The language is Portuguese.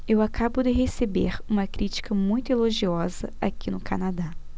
eu acabo de receber uma crítica muito elogiosa aqui no canadá